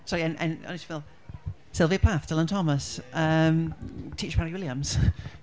So ie'n en- en-... o'n i jyst yn feddwl, Sylvia Plath, Dylan Thomas, yym T.H. Parry Williams...